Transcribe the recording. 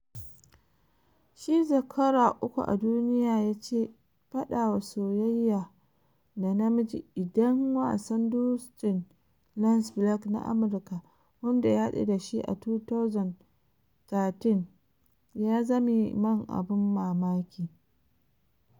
Shi zakara uku a duniya ya ce fadawa soyaya da namij i-dan wasan Dustin Lance Black na Amurka, wanda ya hadu da shi a 2013 - "ya zame man abun mamaki."